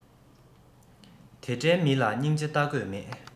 དེ འདྲའི མི ལ སྙིང རྗེ ལྟ དགོས མེད